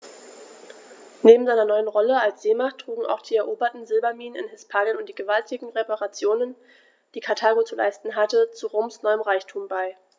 Neben seiner neuen Rolle als Seemacht trugen auch die eroberten Silberminen in Hispanien und die gewaltigen Reparationen, die Karthago zu leisten hatte, zu Roms neuem Reichtum bei.